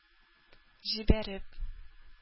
Җибәреп